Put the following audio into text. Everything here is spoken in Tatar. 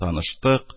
Таныштык;